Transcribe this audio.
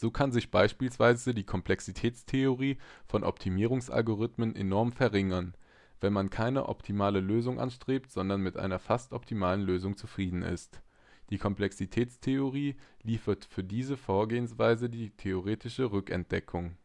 kann sich beispielsweise die Problemkomplexität von Optimierungs-Algorithmen enorm verringern, wenn man keine optimale Lösung anstrebt, sondern mit einer fast optimalen Lösung zufrieden ist. Die Komplexitätstheorie liefert für diese Vorgehensweise die theoretische Rückendeckung